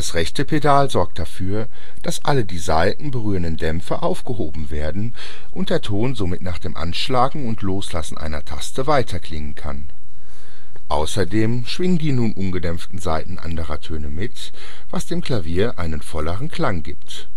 rechte Pedal sorgt dafür, dass alle die Saiten berührenden Dämpfer aufgehoben werden und der Ton somit nach dem Anschlagen und Loslassen einer Taste weiterklingen kann. Außerdem schwingen die nun ungedämpften Saiten anderer Töne mit, was dem Klavier einen volleren Klang gibt